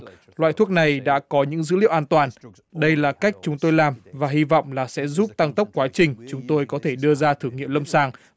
loại thuốc này đã có những dữ liệu an toàn đây là cách chúng tôi làm và hy vọng là sẽ giúp tăng tốc quá trình chúng tôi có thể đưa ra thử nghiệm lâm sàng